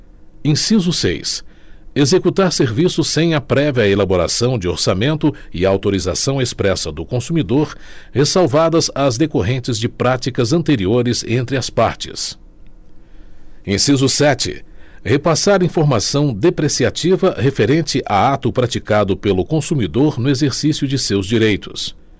inciso seis executar serviços sem a prévia elaboração de orçamento e autorização expressa do consumidor ressalvadas as decorrentes de práticas anteriores entre as partes inciso sete repassar informação depreciativa referente a ato praticado pelo consumidor no exercício de seus direitos